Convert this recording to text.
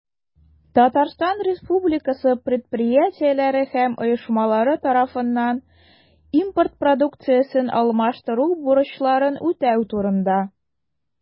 Татарстан Республикасы предприятиеләре һәм оешмалары тарафыннан импорт продукциясен алмаштыру бурычларын үтәү турында.